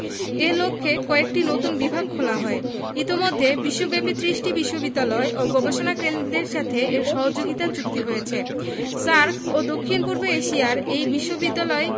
এ লক্ষ্যে কয়েকটি নতুন বিভাগ খোলা হয় ইতোমধ্যে বিশ্বব্যাপী ত্রিশটি বিশ্ববিদ্যালয় ও গবেষণা কেন্দ্রের সাথে এর সহযোগিতা চুক্তি হয়েছে সার্ক ও দক্ষিণ পূর্ব এশিয়ার এ বিশ্ববিদ্যালয়